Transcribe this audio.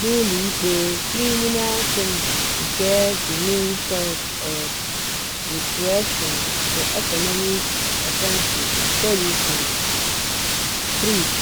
n'ụlọikpe Criminal Chamber nke Benin's Court of Repression nke Economic Offenses na Terrorism CRIET).